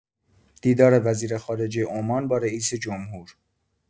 دیدار وزیر خارجه عمان با رئیس‌جمهور